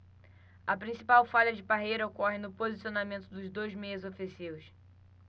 a principal falha de parreira ocorre no posicionamento dos dois meias ofensivos